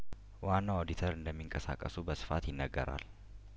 ዋናው ኦዲተር እንደሚንቀሳቀሱ በስፋት ይናገራል